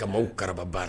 Kama kara baara